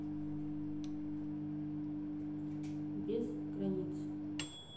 без границ